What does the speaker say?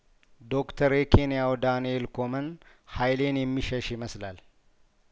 ዶክተር የኬንያው ዳንኤል ኮመን ሀይሌን የሚሸሽ ይመስላል